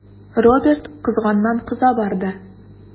Роберт кызганнан-кыза барды.